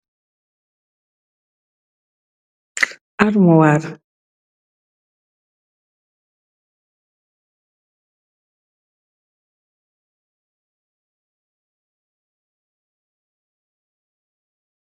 Armouwar la fouye nite yii dii denche cen bagas